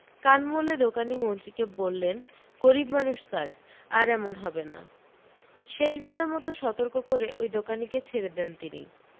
কান মলে দোকানি মন্ত্রীকে বললেন গরিব মানুষ স্যার আর এমন হবে না শেষ বারের মতো সতর্ক করে ওই দোকানিকে ছেড়ে দেন তিনি